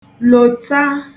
lòta